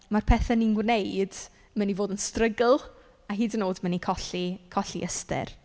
Mae'r pethau ni'n gwneud mynd i fod yn strygl, a hyd yn oed mynd i colli colli ystyr.